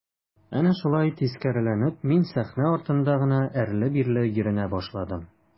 Әнә шулай тискәреләнеп мин сәхнә артында гына әрле-бирле йөренә башладым.